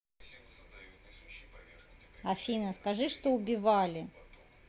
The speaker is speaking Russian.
афина скажи что убивали